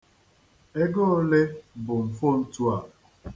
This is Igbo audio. Ego ole bụ mfontu a?